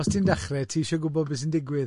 Os ti'n dechrau, ti isio gwbod be sy'n digwydd.